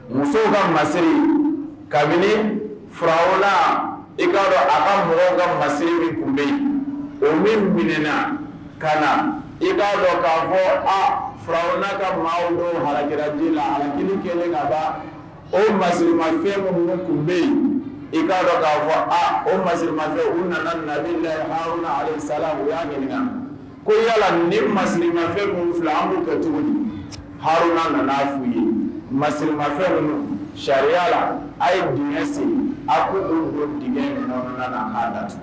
Musow ka masiri kabini farala i k'a dɔn a ka mɔgɔw ka masiri kun bɛ yen o min minɛna ka na i b'a dɔn k'a fɔ aa farauna ka maa don hajiraji la ali kelen ka ban o masirilimafɛn minnu kun bɛ yen i'a dɔn k'a fɔ a o masirimafɛn u nana na la haruna ali sala u y'a ɲininka ko yala ni masirilimafɛn minnu fila an bɛ kɛ tuguni harunaan nana f'u ye masirilimafɛn minnu sariyaya la a ye sen a ko nana na ha la